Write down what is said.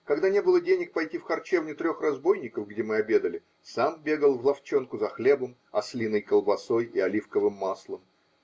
когда не было денег пойти в харчевню "Трех разбойников", где мы обедали, сам бегал в лавчонку за хлебом, ослиной колбасой и оливковым маслом